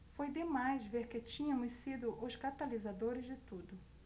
foi demais ver que tínhamos sido os catalisadores de tudo